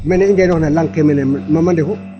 Mene i nqeenooxna lanq ke mene mam a ndefu ?